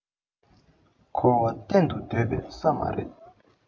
འཁོར བ གཏན དུ སྡོད པའི ས མ རེད